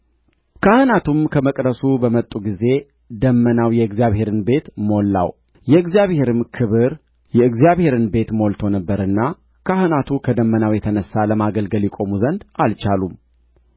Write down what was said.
ካህናቱም ከመቅደሱ በመጡ ጊዜ ደመናው የእግዚአብሔርን ቤት ሞላው የእግዚአብሔርም ክብር የእግዚአብሔርን ቤት ሞልቶ ነበርና ካህናቱ ከደመናው የተነሣ ለማገልገል ይቆሙ ዘንድ አልቻሉም